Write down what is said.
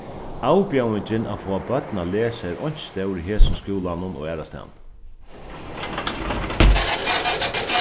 avbjóðingin at fáa børn at lesa er eins stór í hesum skúlanum og aðrastaðni